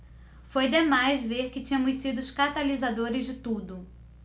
foi demais ver que tínhamos sido os catalisadores de tudo